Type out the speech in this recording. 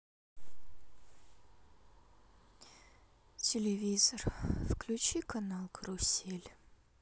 телевизор включи канал карусель